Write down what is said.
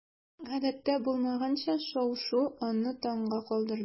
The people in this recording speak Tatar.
Гадәттә булмаганча шау-шу аны таңга калдырды.